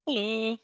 Helo.